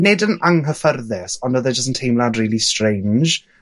nid yn anghyffyrddus, ond odd e jyst yn teimlad rili strange.